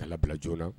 Kala bila joona na